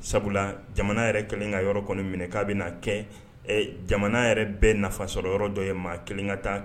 Sabula jamana yɛrɛ kɛlen ka yɔrɔ kɔni minɛn k'a bɛna na kɛ, ɛ, jamana yɛrɛ bɛɛ nafasɔrɔ yɔrɔ dɔ ye maa kelen ka taa